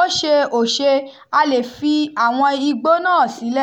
ó ṣe ò ṣe a lè fi àwọn igbó náà sílẹ̀.